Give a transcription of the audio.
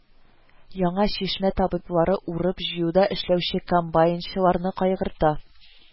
Яңа Чишмә табиблары урып-җыюда эшләүче комбайнчыларны кайгырта